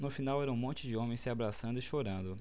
no final era um monte de homens se abraçando e chorando